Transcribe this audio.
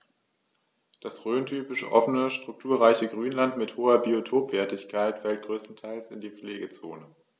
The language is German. Das rhöntypische offene, strukturreiche Grünland mit hoher Biotopwertigkeit fällt größtenteils in die Pflegezone.